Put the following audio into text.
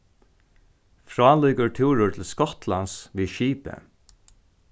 frálíkur túrur til skotlands við skipi